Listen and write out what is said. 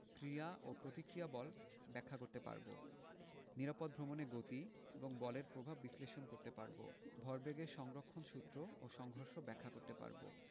ক্রিয়া ও প্রতিক্রিয়া বল ব্যাখ্যা করতে পারব নিরাপদ ভ্রমণে গতি এবং বলের প্রভাব বিশ্লেষণ করতে পারব ভরবেগের সংরক্ষণ সূত্র ও সংঘর্ষ ব্যাখ্যা করতে পারব